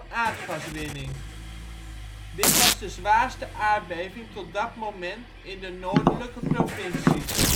aardgaswinning. Dit was de zwaarste aardbeving tot dat moment in de noordelijke provincies